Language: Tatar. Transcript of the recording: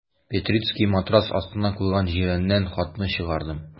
Петрицкий матрац астына куйган җирәннән хатны чыгарды.